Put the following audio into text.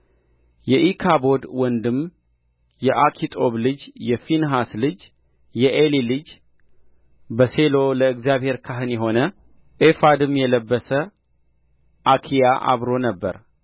የኢካቦድ ወንድም የአኪጦብ ልጅ የፊንሐስ ልጅ የዔሊ ልጅ በሴሎ ለእግዚአብሔር ካህን የሆነ ኤፉድም የለበሰ አኪያ አብሮ ነበር